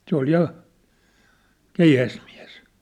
se oli ja keihäsmies